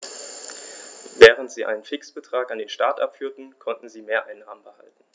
Während sie einen Fixbetrag an den Staat abführten, konnten sie Mehreinnahmen behalten.